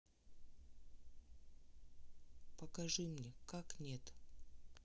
покажи мне как нет